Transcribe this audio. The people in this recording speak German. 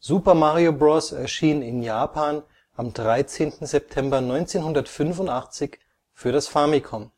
Super Mario Bros. erschien in Japan am 13. September 1985 für das Famicom.